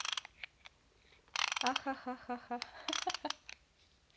аха ха ха ха ха ха